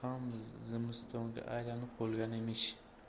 ham zimistonga aylanib qolgan emish